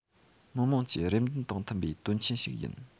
མི དམངས ཀྱི རེ འདུན དང མཐུན པའི དོན ཆེན ཞིག ཡིན